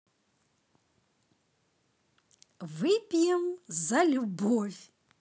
выпьем за любовь